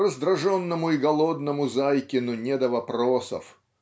Раздраженному и голодному Зайкину не до вопросов